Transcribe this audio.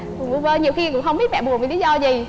vu vơ nhiều khi cũng không biết mẹ buồn vì lý do gì